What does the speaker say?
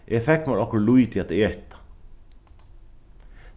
eg fekk mær okkurt lítið at eta